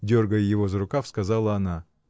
— дергая его за рукав, сказала она.